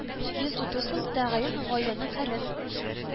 Йөз утыз сум тәгаен гаиләнең хәлен